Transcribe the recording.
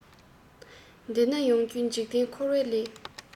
འདི ནི ཡོང རྒྱུ འཇིག རྟེན འཁོར བའི ལས